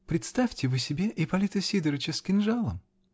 Представьте вы себе Ипполита Сидорыча с кинжалом?!.